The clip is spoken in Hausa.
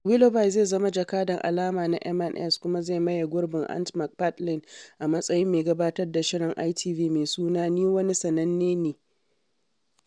Willoughby zai zama jakadan alama na M&S kuma zai maye gurbin Ant McPartlin a matsayin mai gabatar da shirin ITV me suna Ni Wani Sananne Ne.